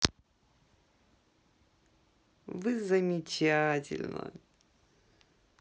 вы замечательно